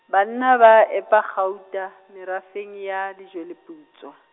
banna ba, epa kgauta, merafong ya, Lejweleputswa.